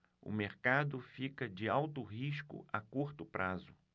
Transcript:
o mercado fica de alto risco a curto prazo